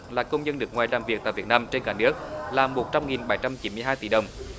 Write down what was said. là công dân nước ngoài làm việc tại việt nam trên cả nước là một trăm nghìn bảy trăm chín mươi hai tỷ đồng